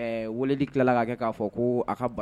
Ɛɛ Weleli kila la ka kɛ ka fɔ ko a ka